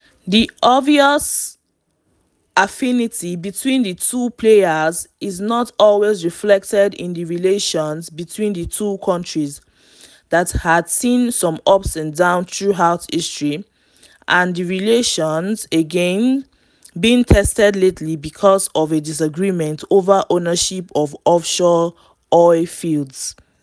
The obvious affinity between the two players is not always reflected in the relations between the two countries that had seen some ups and downs throughout history and the relations are again being tested lately because of a disagreement over ownership of offshore oil fields.